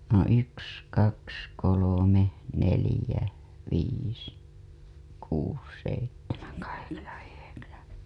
no yksi kaksi kolme neljä viisi kuusi seitsemän kahdeksan yhdeksän